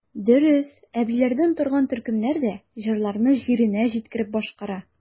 Дөрес, әбиләрдән торган төркемнәр дә җырларны җиренә җиткереп башкара.